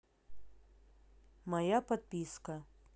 моя подписка